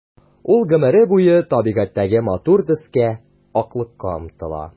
Ул гомере буе табигатьтәге матур төскә— аклыкка омтыла.